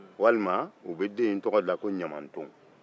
walima u bɛ den tɔgɔ da ko ɲamaton